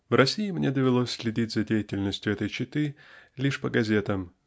В России мне довелось следить за деятельностью этой четы лишь по газетам